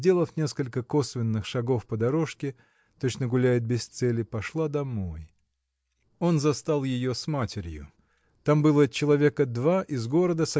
сделав несколько косвенных шагов по дорожке точно гуляет без цели пошла домой. Он застал ее с матерью. Там было человека два из города